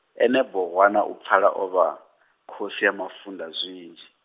ene Bohwana u pfala o vha, khosi ya mafunda zwinzhi.